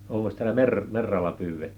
onkos täällä - merralla pyydetty